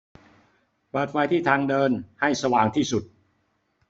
เปิดไฟที่ทางเดินให้สว่างที่สุด